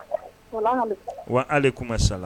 Wa ale kuma sa